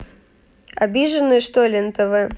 обиженные что ли нтв